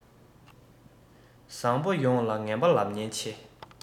བཟང པོ ཡོངས ལ ངན པ ལབ ཉེན ཆེ